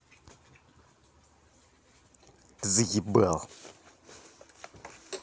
заебал